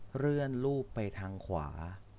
เลื่อนรูปไปทางขวา